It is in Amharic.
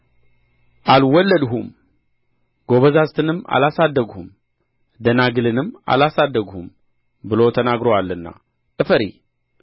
አልወለድሁም ጐበዛዝትንም አላሳደግሁም ደናግልንም አላሳደግሁም ብሎ ተናግሮአልና እፈሪ